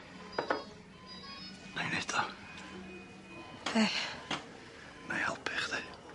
'Nai neud o. Be'? 'Nai helpu chdi